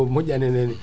ko moƴƴani henna